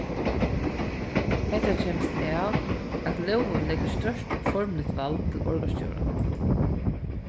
hetta kemst av at lógin leggur stórt formligt vald til borgarstjóran